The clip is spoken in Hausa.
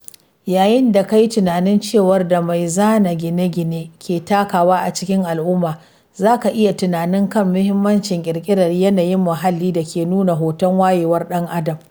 Yayin da ka yi tunanin rawar da mai zana gine-gine ke takawa a cikin al’umma, za ka iya tunani kan mahimmancin ƙirƙirar yanayin muhalli da ke nuna hoton wayewar ɗan Adam.